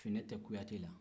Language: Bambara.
finɛ tɛ kuyatɛ la